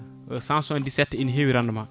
177 ina heewi rendement